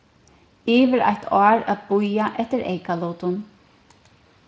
yvir eitt ár at bíða eftir eykalutum